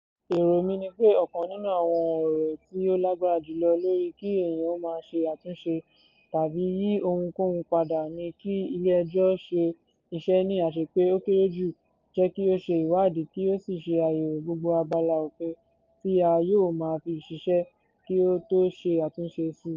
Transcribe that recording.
Èrò mi ni pé ọ̀kan nínú àwọn ọ̀rọ̀ tí ó lágbára jùlọ lórí kí èèyàn má ṣe àtúnṣe tàbí yí ohunkóhun padà ni, kí ilé-ẹjọ́ ṣe iṣẹ́ ní àṣepé ó kéré jù, jẹ́ kí ó ṣe ìwádìí kí ó sì ṣe àyẹ̀wò gbogbo abala òfin tí a yóò máa fi ṣiṣẹ́, kí ó tó ṣe àtúnṣe síi.